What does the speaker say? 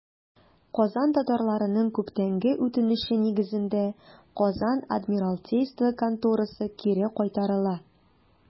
Казан татарларының күптәнге үтенече нигезендә, Казан адмиралтейство конторасы кире кайтарыла.